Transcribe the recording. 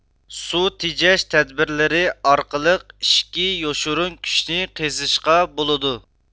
سۇ تېجەش تەدبىرلىرى ئارقىلىق ئىچكى يوشۇرۇن كۈچنى قېزىشقا بولىدۇ